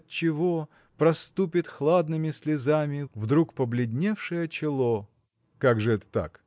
отчего Проступит хладными слезами Вдруг побледневшее чело. – Как же это так?